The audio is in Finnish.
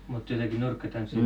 mutta jotakin nurkkatansseja